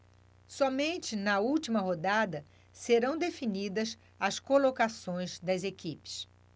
somente na última rodada serão definidas as colocações das equipes